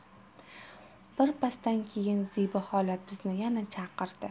birpasdan keyin zebi xola bizni yana chaqirdi